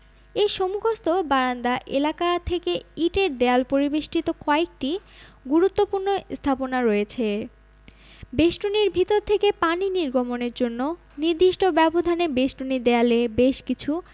এর সম্মুখস্থ বারান্দা এলাকা থেকে ইটের দেয়াল পরিবেষ্টিত কয়েকটি গুরুত্বপূর্ণ স্থাপনা রয়েছে বেষ্টনীর ভিতর থেকে পানি নির্গমনের জন্য নির্দিষ্ট ব্যবধানে বেষ্টনী দেয়ালে বেশ কিছু